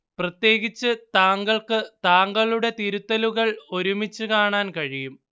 പ്രത്യേകിച്ച് താങ്കൾക്ക് താങ്കളുടെ തിരുത്തലുകൾ ഒരുമിച്ച് കാണാൻ കഴിയും